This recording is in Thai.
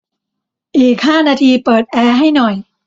อีกห้านาทีเปิดแอร์ให้หน่อย